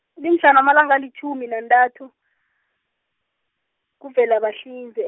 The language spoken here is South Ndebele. limhlana amalanga alitjhumi nantathu, kuVelabahlinze.